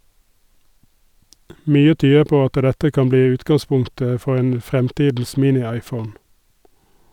Mye tyder på at dette kan bli utgangspunktet for en fremtidens mini-iphone.